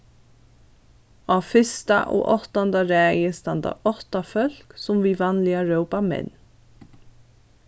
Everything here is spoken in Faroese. á fyrsta og áttanda raði standa átta fólk sum vit vanliga rópa menn